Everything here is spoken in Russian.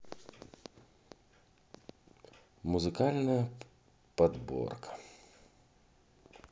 музыкальная подборка